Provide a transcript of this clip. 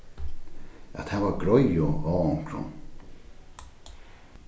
at hava greiðu á onkrum